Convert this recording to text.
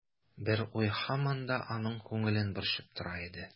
Бер уй һаман да аның күңелен борчып тора иде.